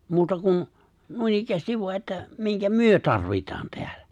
muuta kuin noinikään vain että minkä me tarvitaan täällä